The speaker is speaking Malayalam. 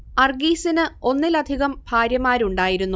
അർഗീസിന് ഒന്നിലധികം ഭാര്യമാരുണ്ടായിരുന്നു